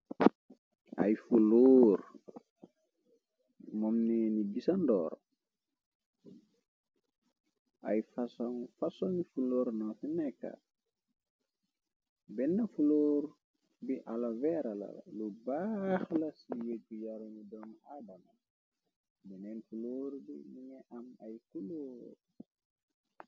Ay fuloor, momneeni gisandoor, ay fason fason fu loor nothnekka, benn fulóor bi ala veerala lu baaxla ci yeggu yarunu dom adam, beneen fuloor bi minga am ay kulóor.